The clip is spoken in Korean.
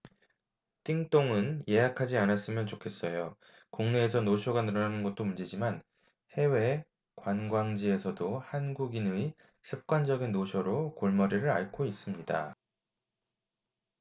띵똥은 예약하지 않았으면 좋겠어요국내에서 노쇼가 늘어나는 것도 문제지만 해외 관광지에서도 한국인의 습관적인 노쇼로 골머리를 앓고 있습니다